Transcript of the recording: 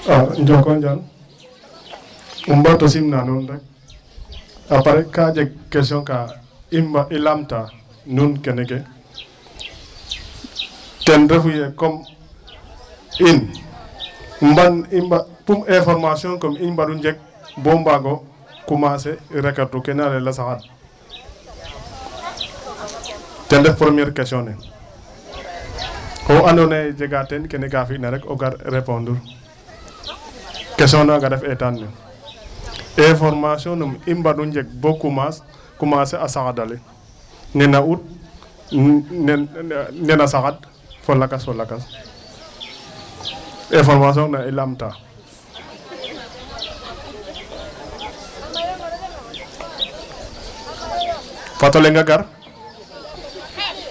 waaw